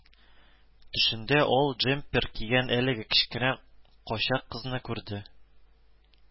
Төшендә ал джемпер кигән әлеге кечкенә качак кызны күрде